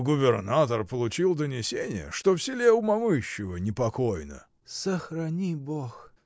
Губернатор получил донесение, что в селе у Мамыщева не покойно. — Сохрани Бог!